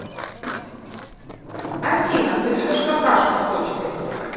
афина ты любишь какашку с точкой